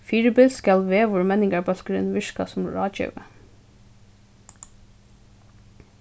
fyribils skal veðurmenningarbólkurin virka sum ráðgevi